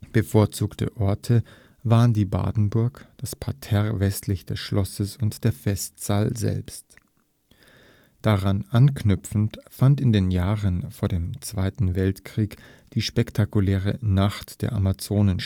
Bevorzugte Orte waren die Badenburg, das Parterre westlich des Schlosses und der Festsaal selbst. Daran anknüpfend fand in den Jahren vor dem Zweiten Weltkrieg die spektakuläre „ Nacht der Amazonen